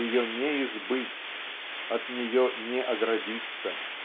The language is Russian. Ее не избыть, от нее не оградиться.